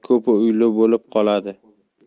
ko'pi uyli bo'lib qoladi